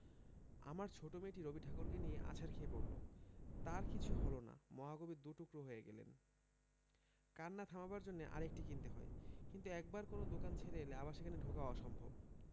আমার ছোট মেয়েটি রবিঠাকুরকে নিয়ে আছাড় খেয়ে পড়ল তার কিছু হল না মহাকবি দু'টুকরা হয়ে গেলেন কান্না থামাবার জন্যে আরেকটি কিনতে হয় কিন্তু একবার কোন দোকান ছেড়ে এলে আবার সেখানে ঢোকা অসম্ভব